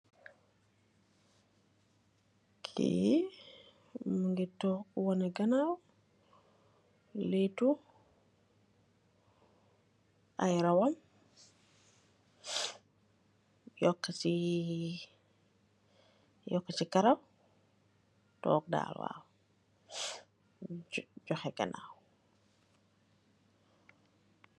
Kii mungi tork wone ganaaw laitu ay rawam yokusi karaw tork daal waaw jokhe ganaaw.